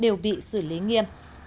đều bị xử lý nghiêm